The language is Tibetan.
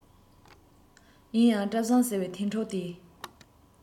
ཡིན ཡང བཀྲ བཟང ཟེར བའི ཐན ཕྲུག དེས